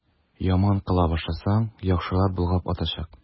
Яман кыла башласаң, яхшылар болгап атачак.